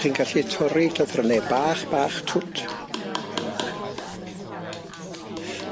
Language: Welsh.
Chi'n gallu torri llythrynne bach bach twt.